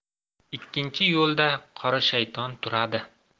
ikkinchi yo'lda qora shayton turadi